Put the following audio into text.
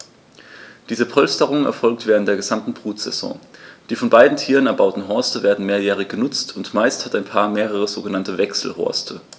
Diese Polsterung erfolgt während der gesamten Brutsaison. Die von beiden Tieren erbauten Horste werden mehrjährig benutzt, und meist hat ein Paar mehrere sogenannte Wechselhorste.